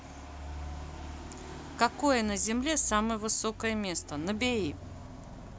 какое на земле самое высокое место набери